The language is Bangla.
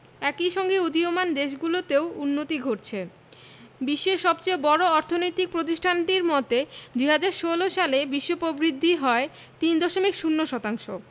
একই সঙ্গে উদীয়মান দেশগুলোতেও উন্নতি ঘটছে বিশ্বের সবচেয়ে বড় আর্থিক প্রতিষ্ঠানটির মতে ২০১৬ সালে বিশ্ব প্রবৃদ্ধি হয় ৩.০ শতাংশ